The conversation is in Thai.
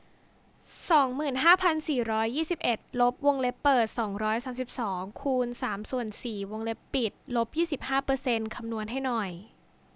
สองหมื่นห้าพันสี่ร้อยยี่สิบเอ็ดลบวงเล็บเปิดสองร้อยสามสิบสองคูณสามส่วนสี่วงเล็บปิดลบยี่สิบห้าเปอร์เซนต์คำนวณให้หน่อย